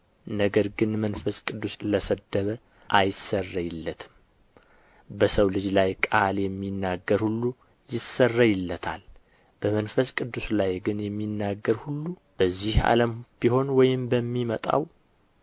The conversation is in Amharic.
ነገር ግን መንፈስ ቅዱስን ለሰደበ አይሰረይለትም በሰው ልጅ ላይ ቃል የሚናገር ሁሉ ይሰረይለታል በመንፈስ ቅዱስ ላይ ግን የሚናገር ሁሉ በዚህ ዓለም ቢሆን ወይም በሚመጣው